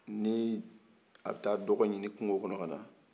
ni a bɛ taa dɔgɔ ɲini kungo kɔnɔ ka na